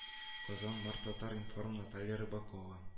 Казан март татар-информ наталья рыбакова